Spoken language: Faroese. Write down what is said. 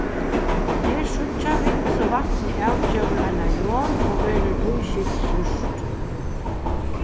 her síggja vit hvussu vatnið avgevur eina jon og verður tískil súrt